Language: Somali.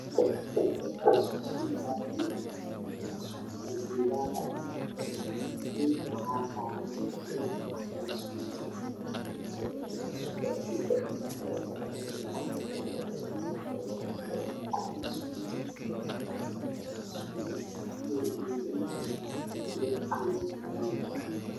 Waxa ay muuqda kuraas iyo miisaas laga sameeyay harag midafkooda waa jaalo dhulka waa cagaar darbiga ka dambeeya waa guduud buluug